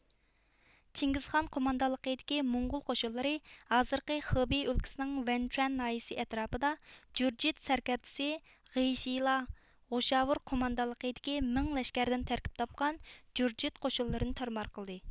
چىڭگىزخان قوماندانلىقىدىكى موڭغۇل قوشۇنلىرى ھازىرقى خېبىي ئۆلكىسىنىڭ ۋەنچۇەن ناھىيىسى ئەتراپىدا جۇرجىت سەركەردىسى غىيىشلا غوشاۋۇر قوماندانلىقىدىكى مىڭ لەشكەردىن تەركىپ تاپقان جۇرجىت قوشۇنلىرىنى تارمار قىلدى